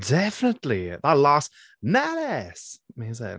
Definitely that last 'melys!' amazing.